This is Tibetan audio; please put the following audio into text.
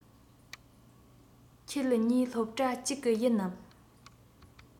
ཁྱེད གཉིས སློབ གྲྭ གཅིག གི ཡིན ནམ